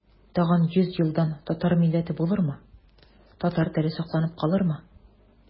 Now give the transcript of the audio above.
Тагын йөз елдан татар милләте булырмы, татар теле сакланып калырмы?